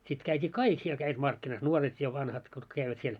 sitten käytiin kaikki siellä kävivät markkinassa nuoret ja vanhat kutka kävivät siellä